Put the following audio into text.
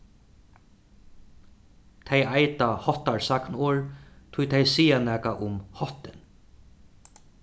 tey eita háttarsagnorð tí tey siga nakað um háttin